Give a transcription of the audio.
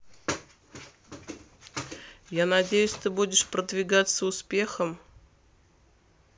я надеюсь ты будешь продвигаться успехом